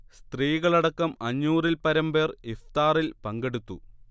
സ്ത്രീകളടക്കം അഞ്ഞൂറിൽ പരം പേർ ഇഫ്താറിൽ പങ്കെടുത്തു